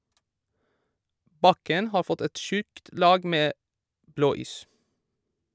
Bakken har fått et tjukt lag med blåis.